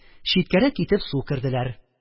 Читкәрәк китеп су керделәр